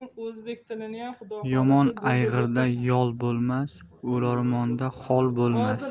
yomon ayg'irda yol bo'lmas o'larmonda hoi bo'lmas